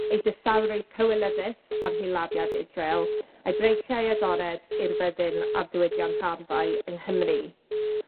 ei distawrwydd cywilyddus ar hil-laddiad Israel a'i breichiau agored i'r byddin a'r diwydiant arfau yng Nghymru.